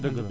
dëgg la